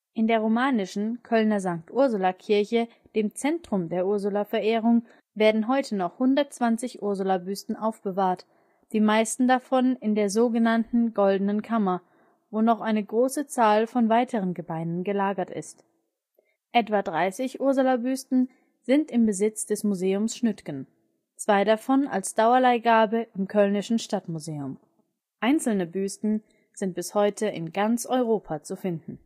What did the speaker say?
In der romanischen Kölner St. Ursula-Kirche, dem Zentrum der Ursulaverehrung, werden heute noch 120 Ursulabüsten aufbewahrt, die meisten davon in der so genannten Goldenen Kammer, wo noch eine große Zahl von weiteren Gebeinen gelagert ist. Etwa dreißig Ursulabüsten sind im Besitz des Museums Schnütgen; zwei davon als Dauerleihgabe im Kölnischen Stadtmuseum. Einzelne Büsten sind bis heute in ganz Europa zu finden